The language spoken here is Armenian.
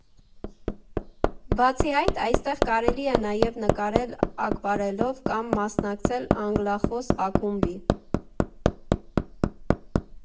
Բացի այդ, այստեղ կարելի է նաև նկարել ակվարելով կամ մասնակցել անգլախոս ակումբի։